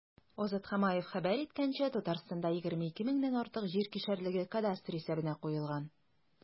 Азат Хамаев хәбәр иткәнчә, Татарстанда 22 меңнән артык җир кишәрлеге кадастр исәбенә куелган.